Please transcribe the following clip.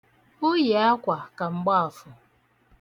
O yi akwa ka mgbaafọ.